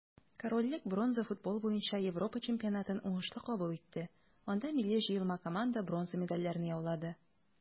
Корольлек бронза футбол буенча Европа чемпионатын уңышлы кабул итте, анда милли җыелма команда бронза медальләрне яулады.